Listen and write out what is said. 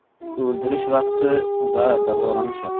o'ldirish vaqti va davolanish vaqti